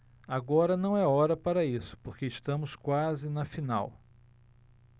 agora não é hora para isso porque estamos quase na final